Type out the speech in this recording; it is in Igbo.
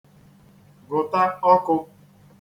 gụ̀ta ọkụ̄